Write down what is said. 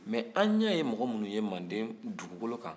mɛ an ɲa ye mɔgɔ minnu ye manden dugukolo kan